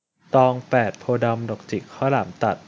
ตองแปดโพธิ์ดำดอกจิกข้าวหลามตัด